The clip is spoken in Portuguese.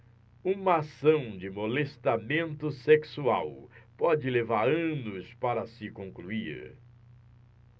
uma ação de molestamento sexual pode levar anos para se concluir